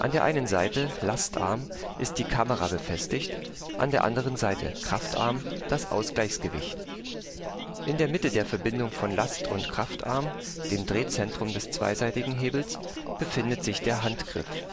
der einen Seite (Lastarm) ist die Kamera befestigt, an der anderen Seite (Kraftarm) das Ausgleichsgewicht. In der Mitte der Verbindung von Last - und Kraftarm, dem Drehzentrum des zweiseitigen Hebels, befindet sich der Handgriff